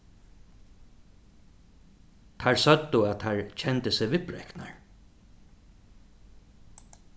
teir søgdu at teir kendu seg viðbreknar